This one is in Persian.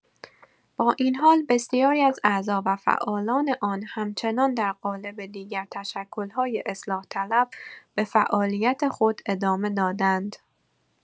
با این حال، بسیاری از اعضا و فعالان آن همچنان در قالب دیگر تشکل‌های اصلاح‌طلب به فعالیت خود ادامه دادند.